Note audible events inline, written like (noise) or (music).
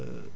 (hesitation) (hesitation)